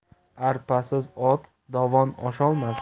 arpasiz ot dovon osholmas